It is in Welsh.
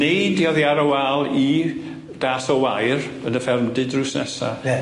Neidio oddi ar y wal i das o wair yn y ffermdy drws nesa. Ie.